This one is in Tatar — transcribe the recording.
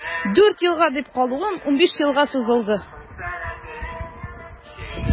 Дүрт елга дип калуым унбиш елга сузылды.